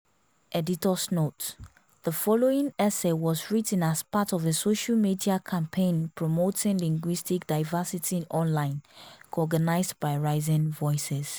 Editor's note: The following essay was written as part of a social media campaign promoting linguistic diversity online co-organized by Rising Voices.